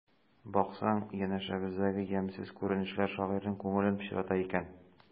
Баксаң, янәшәбездәге ямьсез күренешләр шагыйрьнең күңелен пычрата икән.